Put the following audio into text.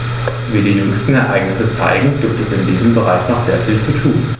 Wie die jüngsten Ereignisse zeigen, gibt es in diesem Bereich noch sehr viel zu tun.